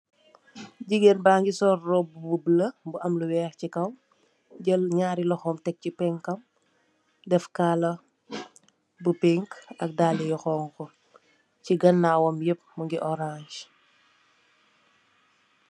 Jigeen ba ngi sol róbbu bu bula bu am lu wèèx ci kaw .Jél ñaari loxom def ci penkam def kala bu pink ak dalla bu xonxu ci ganaw wam yép mu ngi orans.